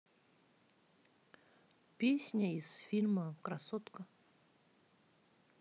песня из фильма красотка